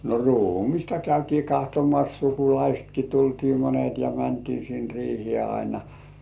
no ruumista käytiin katsomassa sukulaistakin tultiin monet ja mentiin sinne riiheen aina